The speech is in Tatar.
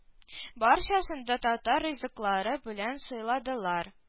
Барчасын да татар ризыклары белән сыйладылар